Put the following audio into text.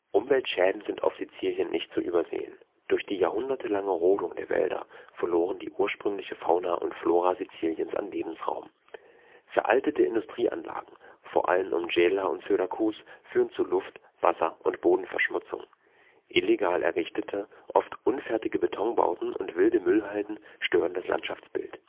Umweltschäden sind auf Sizilien nicht zu übersehen. Durch die jahrhundertelange Rodung der Wälder verloren die ursprüngliche Fauna und Flora Siziliens an Lebensraum. Veraltete Industrieanlagen vor allem um Gela und Syrakus führen zu Luft -, Wasser - und Bodenverschmutzung. Illegal errichtete, oft unfertige Betonbauten und wilde Müllhalden stören das Landschaftsbild